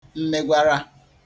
mmegwara